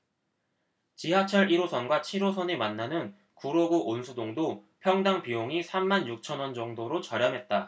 지하철 일 호선과 칠 호선이 만나는 구로구 온수동도 평당 비용이 삼 만 육천 원 정도로 저렴했다